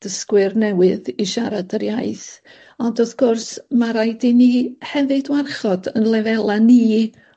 dysgwyr newydd i siarad yr iaith ond wrth gwrs ma' raid i ni hefyd warchod 'yn lefela ni